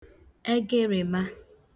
egịrịma